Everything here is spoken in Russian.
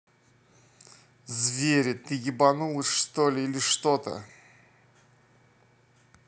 звери ты ебанулась что ли или что то